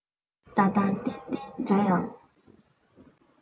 ད ལྟ བརྟན བརྟན འདྲ ཡང